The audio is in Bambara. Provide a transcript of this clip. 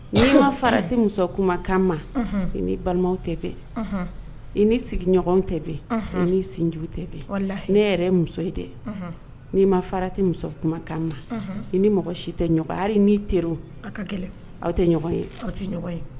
Ni ma fara tɛ muso kuma kanma i ni balimaw tɛ bɛ i ni sigiɲɔgɔn tɛ bɛn i sinju tɛ ne yɛrɛ muso ye dɛ ni' ma fara tɛ muso kumakan na i ni mɔgɔ si tɛ ɲɔgɔnri ni terir aw ka kɛlɛ aw tɛ ɲɔgɔn ye aw tɛ ye